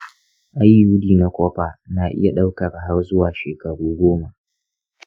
iud na copper na iya ɗaukar har zuwa shekaru goma.